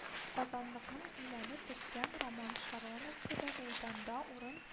Казанныкның әйләнеп беткән Роман Шароновка да мәйданда урын